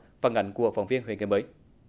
phản ánh của phóng viên huế ngày mới